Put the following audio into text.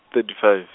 thirty five.